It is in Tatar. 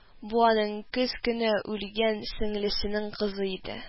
Бу – аның көз көне үлгән сеңлесенең кызы иде